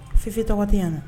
Fifin tɔgɔ tɛ yan